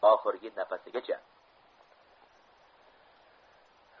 oxirgi nafasigacha